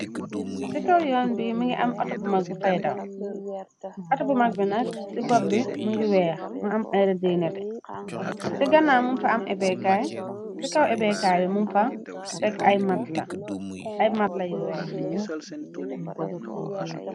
Si kaw yoon bi, mingi am ooto bu mag bu fay daw, ooto bu mag bi nak ci bopp bi mi ngi weex, mu am ay redd yu neté, ci gannaaw mum fa am ebekaay, si kaw ebekaay bi, mum fa teg ay matla, ay matla yu weex.